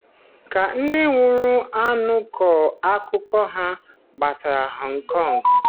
Ka ndị nwụrụ anwụ kọọ akụkọ ha gbasara Hong Kong